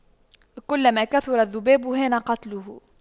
كلما كثر الذباب هان قتله